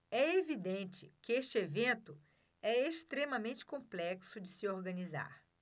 é evidente que este evento é extremamente complexo de se organizar